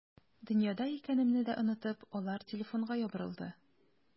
Дөньяда икәнемне дә онытып, алар телефонга ябырылды.